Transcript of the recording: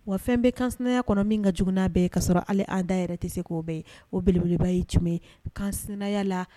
Wa fɛn bɛ kansya kɔnɔ min ka j bɛɛ kasɔrɔ sɔrɔ ale' da yɛrɛ tɛ se k'o bɛɛ oelebeleba ye tun bɛ kanya la